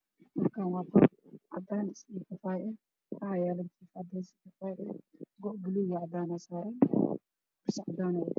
Halkaan waa qol cades iyo kafee ah go buluug iyo cadaan aha saaran miisna wayalaa